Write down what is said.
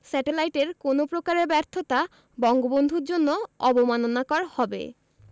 স্যাটেলাইটের কোনো প্রকারের ব্যর্থতা বঙ্গবন্ধুর জন্য অবমাননাকর হবে